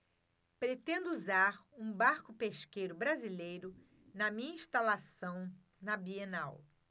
pretendo usar um barco pesqueiro brasileiro na minha instalação na bienal